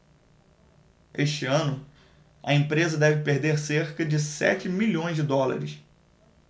este ano a empresa deve perder cerca de sete milhões de dólares